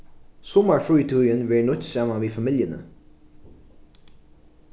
summarfrítíðin verður nýtt saman við familjuni